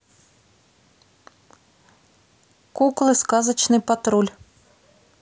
куклы сказочный патруль